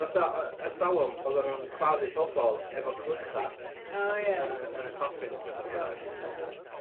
Fatha o- ers talwm oddan nw'n claddu pobol efo clycha. O ia. Yn y yn y coffins ne' beth bynnag. Rhag ofn bo' nw'n dal fyw.